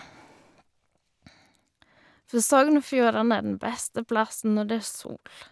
For Sogn og Fjordane er den beste plassen når det er sol.